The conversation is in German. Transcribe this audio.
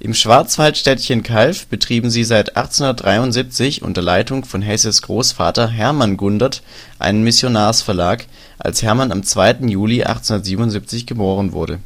Schwarzwaldstädtchen Calw betrieben sie seit 1873 unter Leitung von Hesses Großvater Hermann Gundert einen Missionarsverlag, als Hermann am 2. Juli 1877 geboren wurde